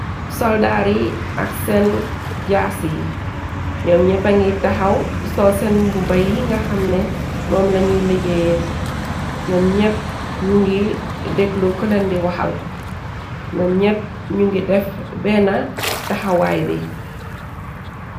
Soldaar yi ak seen jaas yi ñoom ñepp angi taxaw sool seen bu ba yi nga xamne moom lañuy liggéeye ñoom ñepp ñu ngi dëkklu kulandi waxal ñoom ñepp ñu ngi def benn taxawaay bi.